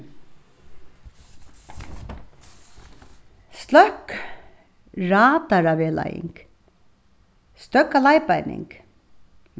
sløkk radaravegleiðing støðga leiðbeining